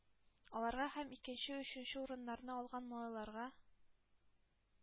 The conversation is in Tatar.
Аларга һәм икенче–өченче урыннарны алган малайларга